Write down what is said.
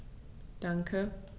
Danke.